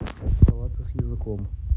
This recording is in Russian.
салаты с языком